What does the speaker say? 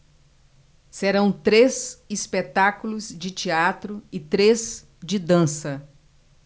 serão três espetáculos de teatro e três de dança